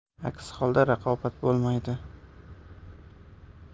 aks holda raqobat bo'lmaydi